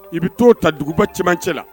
I bɛ t'o ta duguba cɛmancɛ la